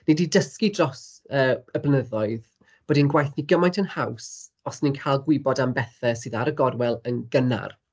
Ni 'di dysgu dros y y blynyddoedd bod ein gwaith ni gymaint yn haws os ni'n cael gwybod am bethe sydd ar y gorwel yn gynnar.